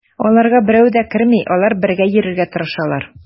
Аларга берәү дә керми, алар бергә йөрергә тырышалар.